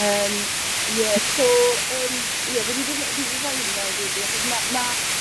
Yym ie so yym ie fi 'di dod mewn fi 'di roi hwn mewn rili achos ma' ma'